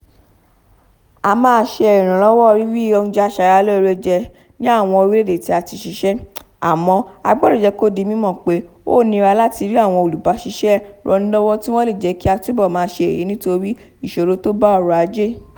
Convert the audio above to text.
A máa ń ṣe ìrànwọ́ rírí oúnjẹ aṣaralóore jẹ ní àwọn orìlẹ̀ èdè tí a ti ṣiṣẹ, àmọ́, a gbọ́dọ̀ jẹ́ kò di mímọ̀ pé ó nira láti rí àwọn olùbáṣiṣẹ́-rannilọ́wọ́ tí wọ́n lè jẹ́ kí a túbọ̀ máa ṣe èyí torí ìṣòro tó bá ọrọ̀ ajé.